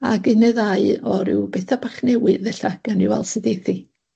Ag un ne' ddau o ryw betha bach newydd ella, gawn ni weld sud eith 'i.